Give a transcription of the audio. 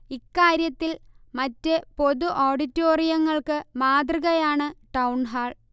ഇക്കാര്യത്തിൽ മറ്റു പൊതു ഓഡിറ്റോറിയങ്ങൾക്ക് മാതൃകയാണ് ടൗൺഹാൾ